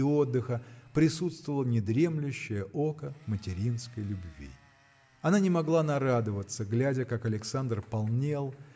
и отдыха присутствовало недремлющее око материнской любви. Она не могла нарадоваться глядя как Александр полнел